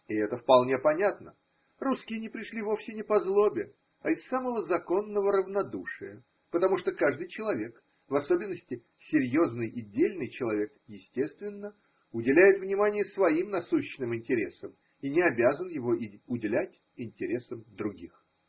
И это вполне понятно – русские не пришли вовсе не по злобе, а из самого законного равнодушия, потому что каждый человек, в особенности серьезный и дельный человек, естественно уделяетвнимание своим насущным интересам и не обязан его уделять интересам других.